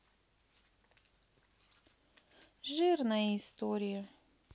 жирная история